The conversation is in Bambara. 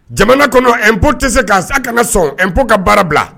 Jamana kɔnɔ ɛpo tɛ se k ka sa ka sɔn n'o ka baara bila